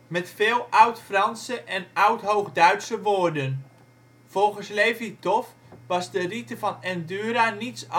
met veel Oudfranse en Oudhoogduitse woorden. John Wilkins Volgens Levitov was de Rite van Endura niets